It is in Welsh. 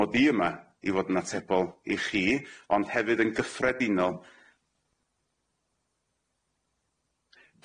Mod i yma i fod yn atebol i chi ond hefyd yn gyffredinol.